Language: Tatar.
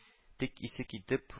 Тик исе китеп